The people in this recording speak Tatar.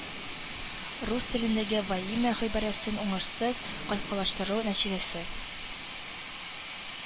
Рус телендәге «во имя» гыйбарәсен уңышсыз калькалаштыру нәтиҗәсе